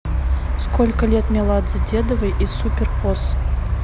сколько лет меладзе дедовой из super house